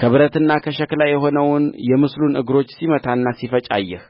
ከብረትና ከሸክላ የሆነውን የምስሉን እግሮች ሲመታና ሲፈጭ አየህ